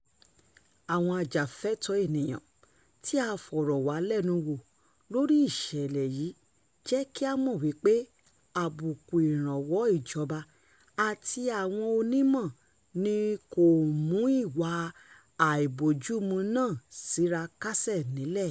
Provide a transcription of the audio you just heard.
Àwọn ajàfẹ́tọ̀ọ́-ènìyàn tí a fọ̀rọ̀ wá lẹ́nu wò lórí ìṣẹ̀lẹ̀ yìí jẹ́ kí á mọ̀ wípé àbùkù ìrànwọ́ ìjọba àti àwọn onímọ̀ ni kò mú ìwà àìbójúmu náà ṣíra kásẹ̀ ńlẹ̀.